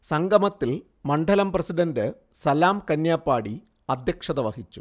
സംഗമത്തിൽ മണ്ഢലം പ്രസിഡന്റ് സലാം കന്ന്യപ്പാടി അദ്ധ്യക്ഷത വഹിച്ചു